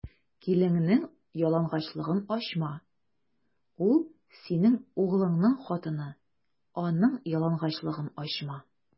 Киленеңнең ялангачлыгын ачма: ул - синең углыңның хатыны, аның ялангачлыгын ачма.